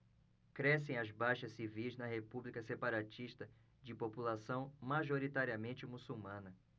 crescem as baixas civis na república separatista de população majoritariamente muçulmana